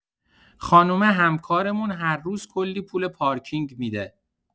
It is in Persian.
خانمه همکارمون هرروز کلی پول پارکینگ می‌ده.